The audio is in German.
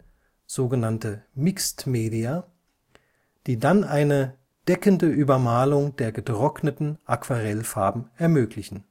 sog. Mixed Media) eingesetzt werden, die dann einen deckende Übermalung der getrockneten Aquarellfarben ermöglichen